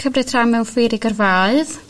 cymryd rha mewn ffeiri gyrfaoedd